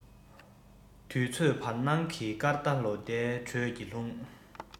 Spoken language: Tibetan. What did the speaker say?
དུས ཚོད བར སྣང གི སྐར མདའ ལོ ཟླའི འགྲོས ཀྱིས ལྷུང